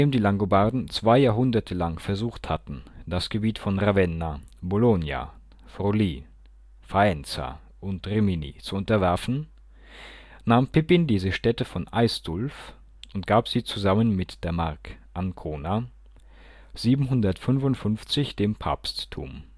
die Langobarden zwei Jahrhunderte lang versucht hatten, das Gebiet von Ravenna, Bologna, Forlì, Faenza, Rimini zu unterwerfen, nahm Pippin diese Städte von Aistulf und gab sie zusammen mit der Mark Ancona 755 dem Papsttum